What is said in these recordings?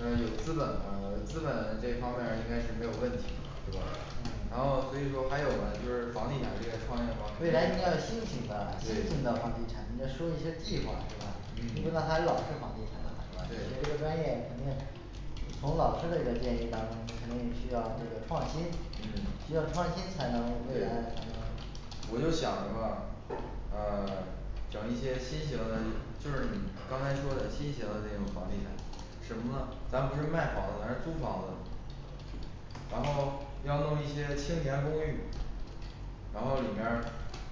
呃有资本嘛资本这方面儿应该是没有问题的，对吧嗯？然后所以说还有呢就是房地产这个创业嘛未来应该要新型的新对型的房地产应该说一些计划是吧？嗯你不能还老式房地产，你学对这个专业肯定从老师这个建议当中肯定需要这个创新嗯，只有创新才能未来才能嗯，对，我就是想着吧呃 整一些新型的，就是你刚才说的新型的那种房地产什么，咱不是卖房子而是租房子，然后要弄一些青年公寓然后里面儿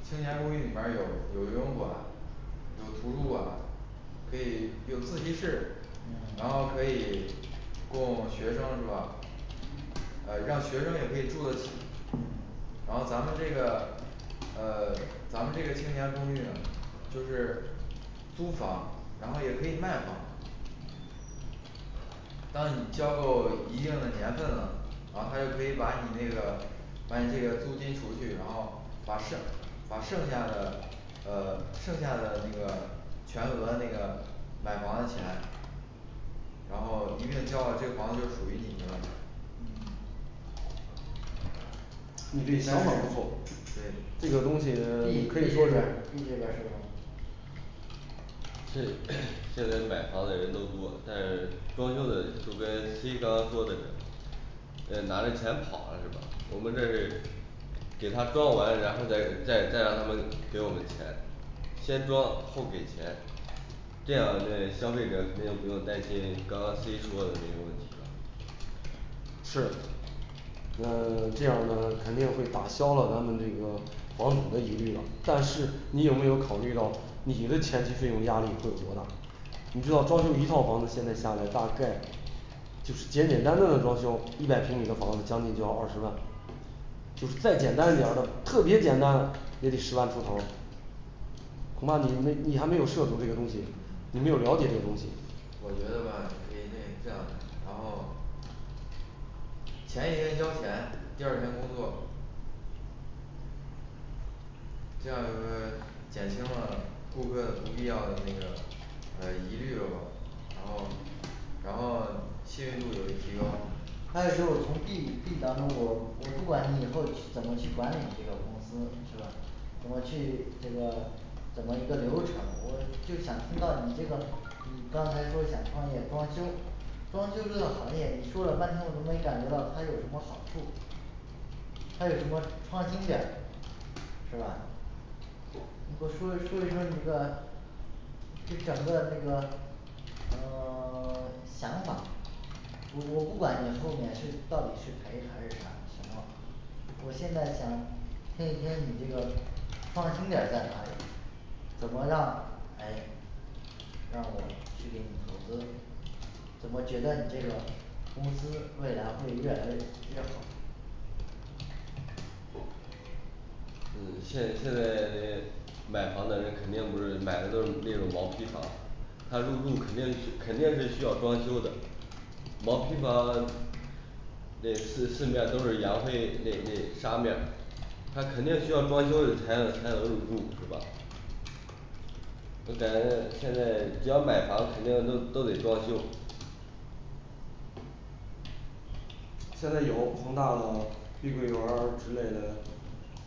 青年公寓里边儿有有游泳馆，有图书馆，可以有自习室嗯，然后可以 供学生是吧？呃让学生也可以住的起。然后咱们这个呃咱们这个青年公寓呀就是租房，然后也可以卖房当你交够一定的年份了，然后他就可以把你那个把你这个租金除去，然后把剩把剩下的呃剩下的那个全额那个买房的钱，然后一并交了这个房子就是属于你的了嗯你这想法儿不错，对这个东西 B 说一下儿B这边儿说一下儿是 现在买房的人都多，但是装修的就跟C刚刚说的嗯拿着钱跑了是吧？我们这儿是给他装完，然后再再再让他们给我们钱，先装后给钱这样那消费者肯定不用担心刚刚C说的那个问题了是，那 这样呢肯定会打消了咱们这个房主的疑虑了，但是你有没有考虑到你的前期费用压力会有多大？你知道装修一套房子，现在下来大概就是简简单单的装修一百平米的房子将近就要二十万，就是再简单一点儿的特别简单，也得十万出头儿恐怕你没你还没有涉足这个东西，你没有了解这东西。我觉得吧可以这这样，然后前一天交钱第二天工作这样会不会减轻了顾客不必要的那个呃疑虑了吧，然后然后信用度也提高。还有就是从B B当中，我我不管你以后去怎么去管理这个公司是吧？怎么去这个怎么一个流程，我就想知道你这个你刚才说想创业装修，装修这个行业，你说了半天，我都没感觉到它有什么好处，它有什么创新点，是吧？你给我说一说一说，你这个就整个那个呃 想法我我不管你后面是到底是赔还是啥什么，我现在想听一听你这个创新点儿在哪里？怎么让诶让我去给你投资怎么觉得你这个公司未来会越来越越好？嗯现现在那买房的人肯定不是买的都是那种毛坯房，他入住肯定需 肯定是需要装修的。毛坯房 那四四面都是洋灰那那仨面儿，他肯定需要装修才能才能入住是吧？我感觉现在只要买房肯定都都得装修。现在有恒大 碧桂园儿之类的，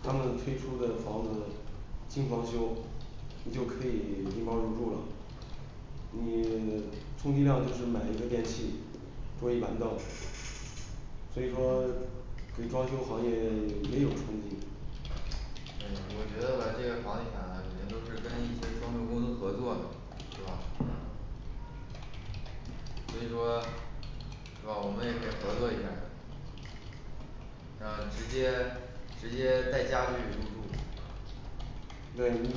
他们推出的房子精装修，你就可以拎包儿入住了你 充其量就是买一个电器桌椅板凳所以说对装修行业 也有冲击嗯我觉得吧这个房地产肯定都是跟一些装修公司合作的是吧？&嗯&所以说是吧我们也可以合作一下儿，然后直接直接带家具入住。每一季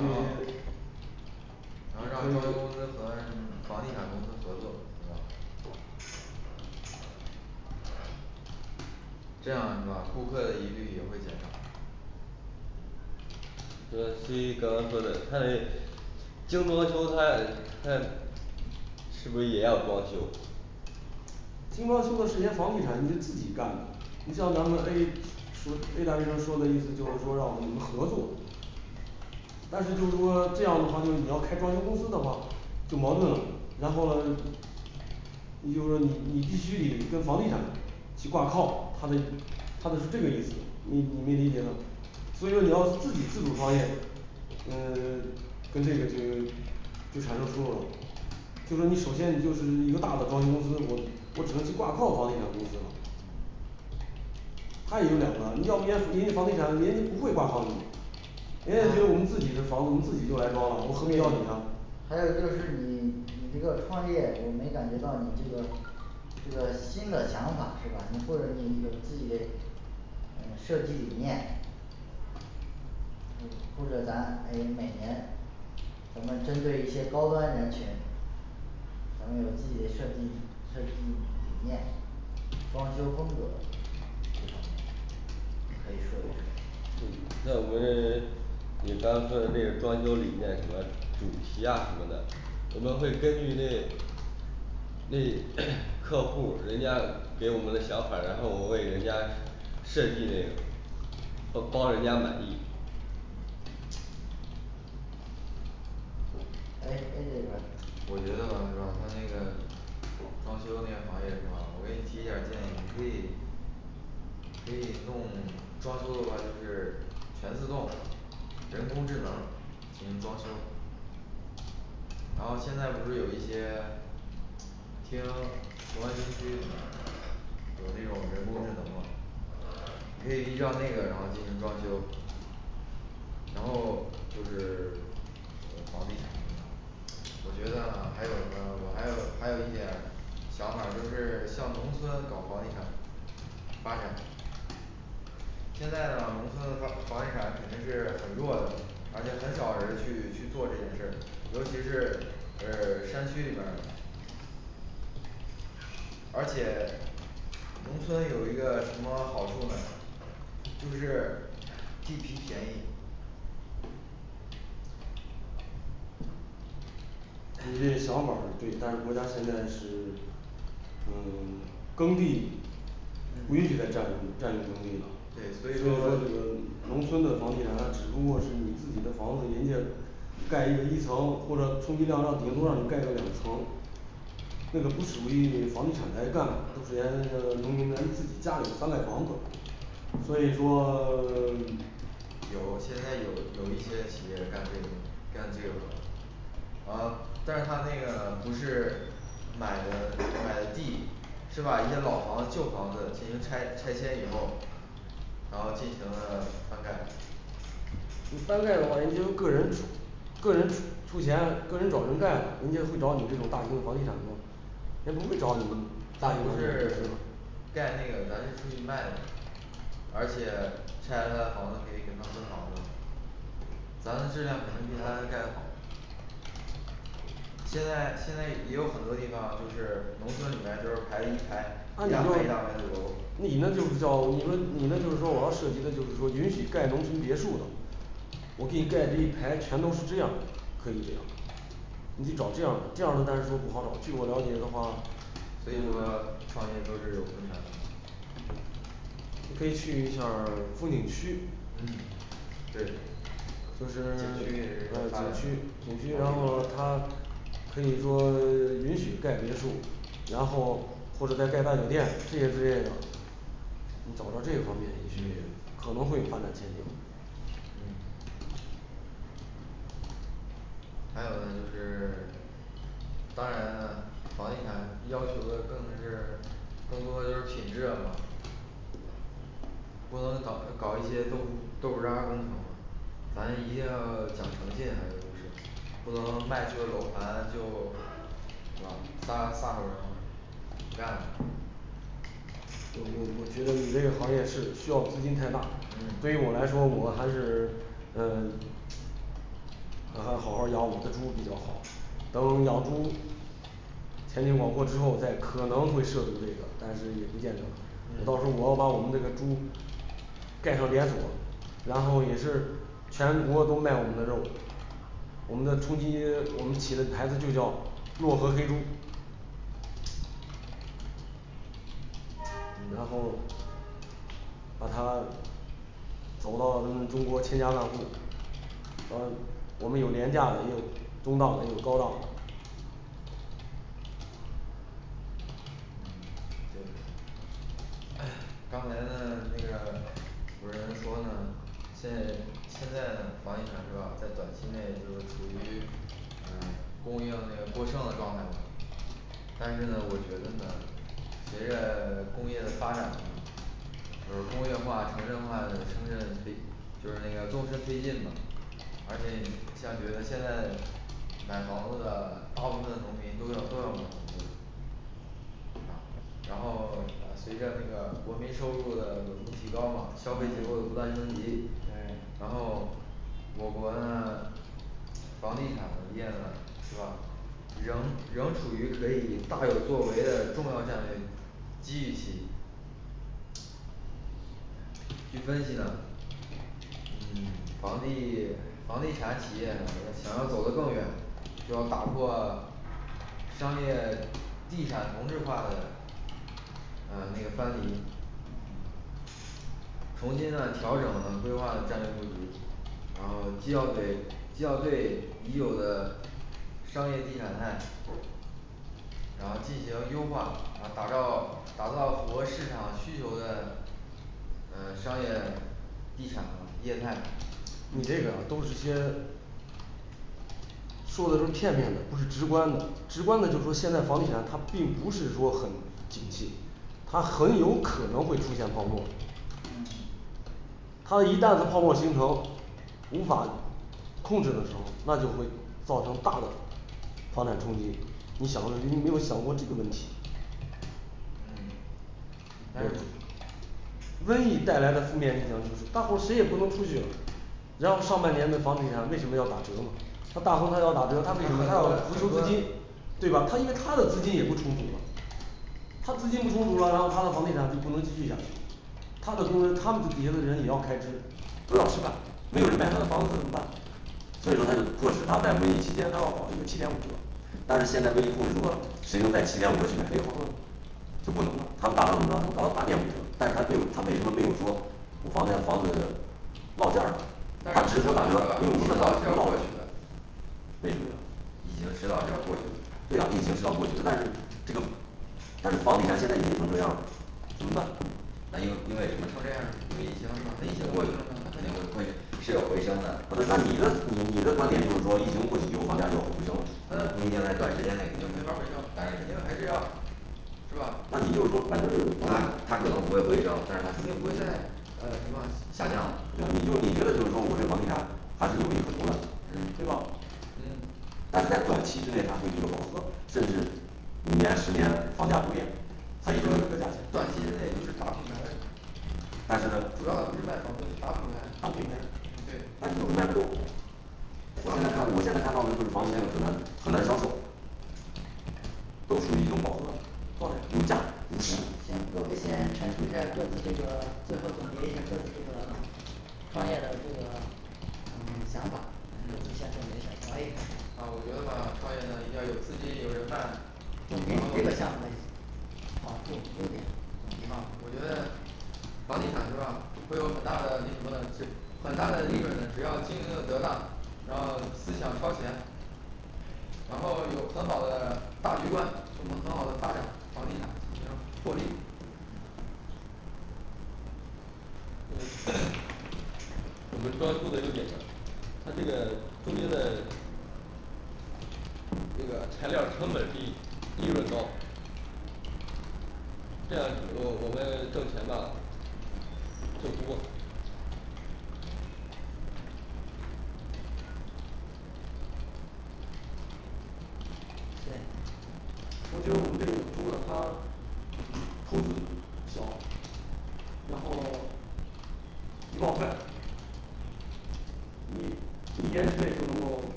啊，能让装可修公司以和咱们房地产公司合作对吧？这样是吧？顾客的疑虑也会减少。这个C刚刚说的它也精装丰台它也是不是也要装修精装修的是一些房地产人家自己干的，你像咱们A说A大学生说的意思就是说让我们合作但是就是说这样的话，就你要开装修公司的话就矛盾了，然后喽也就是说你你必须得跟房地产去挂靠他的他的是这个意思，你没理解呢。所以说你要自己自主创业，嗯 跟这个这个就产生冲突了就说你首先你就是一个大的装修公司，我我只能去挂靠房地产公司了嗯他也就买了，你要不然人家人家房地产人家不会挂靠你，人家就是我们自己的房子我们自己就来装了，我们何必要你呢，还有就是你你这个创业，我没感觉到你这个这个新的想法是吧？你或者你有自己呃设计理念你或者咱诶每年咱们针对一些高端人群，咱们有自己的设计设计理念，装修风格，对吧你可以说一说。就在我这儿你刚刚说的那个装修理念什么主题呀什么的，我们会根据那那 客户儿人家给我们的想法儿，然后我为人家设计那个包包人家满意 A A这边儿我觉得吧主要他那个装修那个行业是吧？我给你提一点儿建议，你可以可以弄 装修的话就是全自动的人工智能进行装修然后现在不是有一些听罗新区，有那种人工智能嘛，你可以依照那个然后进行装修然后就是 说房地产我觉得还有我还有还有一点想法儿就是向农村搞房地产发展现在呢农村房房地产肯定是很弱的，而且很少人儿去去做这件事儿，尤其是 山区里边儿的而且农村有一个什么好处呢？就是地皮便宜你这想法儿对，但是国家现在是 嗯 耕地不允许再占用占用耕地了对，，所以这说个农村的房地产它只不过是你自己的房子，人家盖一个一层或者充其量让顶多让你盖个两层那个不属于房地产该干的，都是连那个农民咱自己家里翻盖房子。所以说 有现在有有一些企业干这个干这个啊但是他那个不是买的买的地是把一些老房子旧房子进行拆拆迁以后然后进行了翻盖你翻盖的话也就是个人出个人出出钱，个人找人盖，人家会找你这种大型的房地产吗，人不会找你们大型房不地产公是司盖那个咱是出去卖的，而且拆了他的房子可以给他们租房子，咱们质量肯定比他们盖的好现在现在也有很多地方，就是农村里边儿就是排了一排，那一你这大排一大排的楼你那就不叫你说你那就是说我要设计的就是说允许盖农村别墅了我给你盖这一排全都是这样，可以这样。你得找这样的，这样的但是说不好找，据我了解的话嗯所以说创业都是有困难的我可以去那儿风景区嗯对就是景区也是 呃个发展景区，景区的话它。可以说 允许盖别墅，然后或者再盖大酒店这些之类的你找到这个方面你去可能会有发展前景。嗯还有呢就是当然了房地产要求的更是更多的就是品质了嘛不能搞搞一些豆腐豆腐渣儿工程嘛，咱一定要讲诚信呀还有就是不能卖出的楼盘就，是吧？大大伙儿不干了。我我我觉得你这个行业是需要资金太大嗯，对于我来说我还是嗯然后好儿好儿养我的猪比较好。 等我养猪前景广阔之后再可能会设置这个，但是也不见得我嗯到时候儿我要把我们这个猪盖成连锁，然后也是全国都卖我们的肉，我们的冲击，我们企业的牌子就叫洛河黑猪然后把它走到咱们中国千家万户儿，然后我们有廉价的，也有中档的，也有高档的嗯，这个 刚才呢那个主持人说呢现在现在呢房地产是吧，在短期内就是属于嗯供应那个过剩的状态嘛。但是呢我觉得呢随着 工业的发展嘛，而工业化城镇化的城镇推就是那个纵深推进嘛而且你像觉得现在买房子的大部分农民都要都要农民工啊然后随着那个国民收入的稳步提高嘛，消费结构又嗯不断升级对然后我国的呢房地产营业呢是吧？ 仍仍处于可以大有作为的重要战略。既喜据分析呢嗯 房地 房地产企业呢想要走得更远，就要打破商业地产同质化的呃那个搬离嗯从新的调整了规划战略布局，然后既要给既要对已有的商业地产带然后进行优化，然后打造打造符合市场需求的呃商业地产的业态你这个嗯都是些说的都片面的，不是直观的，直观的就说现在房地产它并不是说很景气，它很有可能会出现泡沫嗯它一旦这泡沫形成，无法控制的时候，那就会造成大的房产冲击，你想过你有没有想过这个问题？嗯嗯，它对瘟疫带来的负面疫情就是大伙儿谁也不能出去。然后上半年的房地产为什么要打折吗？它打折它要打折它为什么它要回收资金？对吧？他因为他的资金也不充足了，他资金不充足了，然后他的房地产就不能继续下去他的工人他们底下的人也要开支